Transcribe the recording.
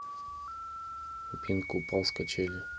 бинг упал с качели